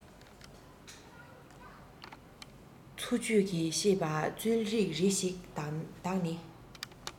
འཚོ བཅུད ཀྱི ཤིས པ སྩོལ ཅིག རེ ཞིག བདག ནི